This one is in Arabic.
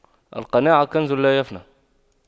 القناعة كنز لا يفنى